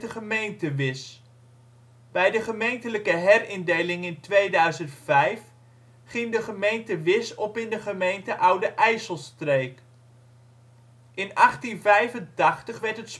gemeente Wisch. Bij de gemeentelijke herindeling in 2005 ging de gemeente Wisch op in de gemeente Oude IJsselstreek. In 1885 werd het spoorwegstation